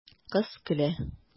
Кыз көлә.